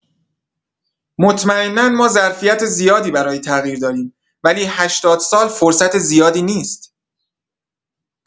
مطمئنا ما ظرفیت زیادی برای تغییر داریم ولی هشتاد سال فرصت زیادی نیست.